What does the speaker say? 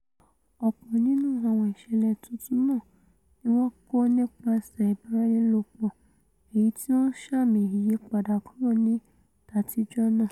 Ọ̀pọ̀ nínú àwọn ìṣẹ̀lẹ̀ tuntun náà níwọn kó nípaṣẹ̀ ìbáraẹnilòpọ̀, èyití ó ńṣàmì ìyípadà kúrò ní tàtijọ́ náà.